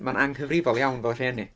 Ma'n anghyfrifol iawn fel rhieni.